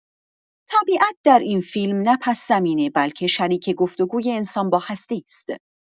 طبیعت در این فیلم نه پس‌زمینه بلکه شریک گفت‌وگوی انسان با هستی است.